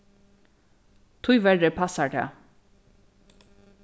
tíverri passar tað